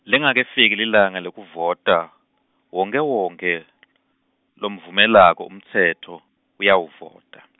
lingakefiki lilanga lekuvota, wonkhewonkhe , lomvumelako umtsetfo, uyawuvota.